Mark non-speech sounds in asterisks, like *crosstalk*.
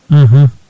*hesitation* *hesitation*